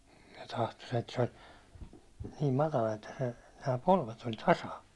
se tahtoi - se oli niin matala että se nämä polvet oli tasan